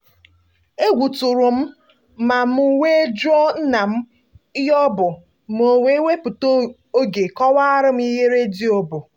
Egwu tụrụ m ma m wee jụọ nna m ihe ọ bụ ma o wee wepụta oge kọwaara m ihe redio bụ.